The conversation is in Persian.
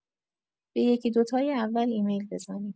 به یکی دو تای اول ایمیل بزنید.